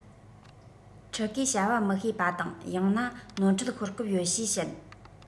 ཕྲུ གུས བྱ བ མི ཤེས པ དང ཡང ན ནོར འཁྲུལ ཤོར སྐབས ཡོད ཞེས བཤད